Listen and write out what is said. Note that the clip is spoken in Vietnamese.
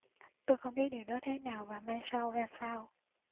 tôi không biết điều đó thế nào và mai sau ra sao